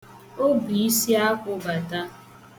O bu isiakwụ bata.